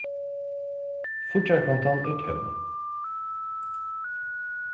fíggjarkontan er tóm